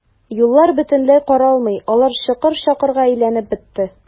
Юллар бөтенләй каралмый, алар чокыр-чакырга әйләнеп бетте.